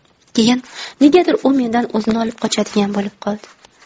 keyin negadir u mendan o'zini olib qochadigan bo'lib qoldi